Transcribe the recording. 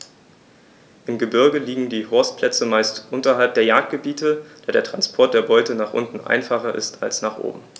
Im Gebirge liegen die Horstplätze meist unterhalb der Jagdgebiete, da der Transport der Beute nach unten einfacher ist als nach oben.